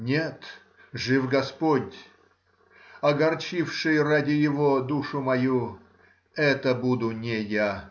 Нет, жив господь, огорчивший ради его душу мою, это буду не я.